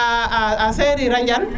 a njal